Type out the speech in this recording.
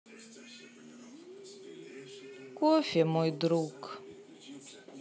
кофе мой друг